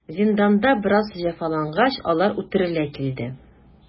Зинданда бераз җәфалангач, алар үтерелә килде.